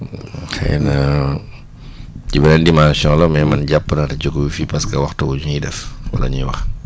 xëy na ci beneen dimension la mais man jàpp naa ne jóge wu fi parce que waxtu bu ñuy def wala ñuy wax